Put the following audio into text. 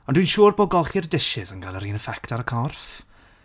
Ond dwi'n siwr bod golchi'r dishes yn cael yr un effect ar y corff.